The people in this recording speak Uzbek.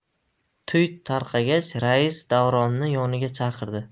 to'y tarqagach rais davronni yoniga chaqirdi